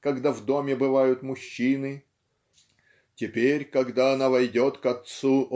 когда в доме бывают мужчины. Теперь когда она войдет к отцу